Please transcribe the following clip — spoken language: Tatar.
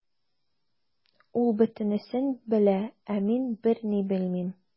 Ул бөтенесен белә, ә мин берни белмим.